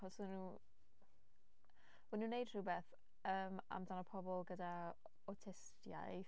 Achos o'n nhw... Mae nhw'n wneud rhywbeth yym amdano pobl gyda awtistiaeth.